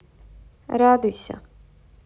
радуйся